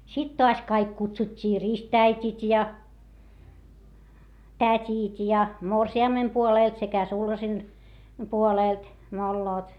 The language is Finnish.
sitten taas kaikki kutsuttiin ristiäidit ja tädit ja morsiamen puolelta sekä sulhasen puolelta molemmat